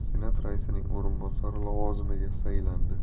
senat raisining o'rinbosari lavozimiga saylandi